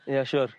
Ie siŵr.